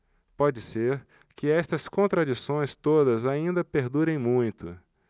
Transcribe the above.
pode ser que estas contradições todas ainda perdurem muito